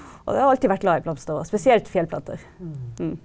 og jeg har alltid vært glad i blomster og spesielt fjellplanter ja.